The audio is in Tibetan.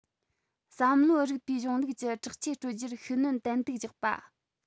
བསམ བློའི རིག པའི གཞུང ལུགས ཀྱི དྲག ཆས སྤྲོད རྒྱུར ཤུགས སྣོན ཏན ཏིག རྒྱག པ